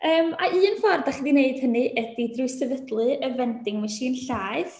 Yym a un ffordd dach chi 'di wneud hynny ydi drwy sefydlu y Vending Machine Llaeth.